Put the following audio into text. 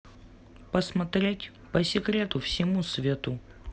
посмотреть по секрету всему свету